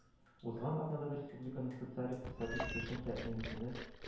Узган атнада республиканың социаль-икътисади үсешен тәэмин итүне